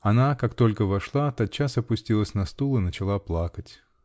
Она, как только вошла, тотчас опустилась на стул и начала плакать.